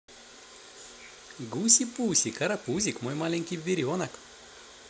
гуси пуси карапузик на мой маленький беренок